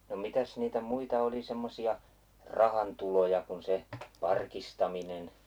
no mitäs niitä muita oli semmoisia rahantuloja kuin se parkistaminen